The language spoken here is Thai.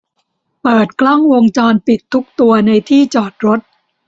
เปิดกล้องวงจรปิดทุกตัวในที่จอดรถ